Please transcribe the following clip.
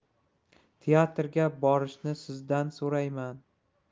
teatrga borishni sizdan so'rayman